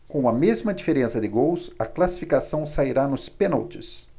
com a mesma diferença de gols a classificação sairá nos pênaltis